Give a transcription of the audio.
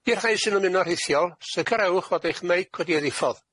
I'r rhai sy'n ymuno'n rhithiol, sicirewch fod eich meic wedi ei ddiffodd,